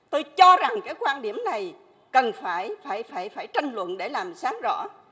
tôi cho rằng các quan điểm này cần phải phải phải phải tranh luận để làm sáng rõ